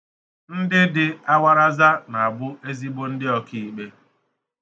Ndị dị awaraza na-abụ ezigbo ndị ọkaikpe.